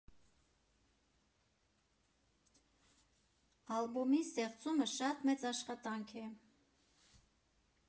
Ալբոմի ստեղծումը շատ մեծ աշխատանք է։